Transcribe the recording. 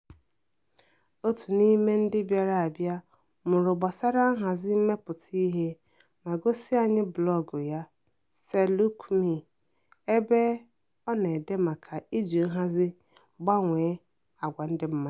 Otu n'ime ndị bịara abịa mụrụ gbasara nhazi mmepụta ihe, ma gosị anyị blọọgụ ya, Selouk.me, ebe ọ na-ede maka iji nhazi gbanwee àgwà ndị mmadụ.